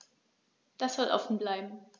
Das soll offen bleiben.